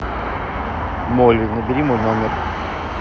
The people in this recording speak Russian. molly набери мой номер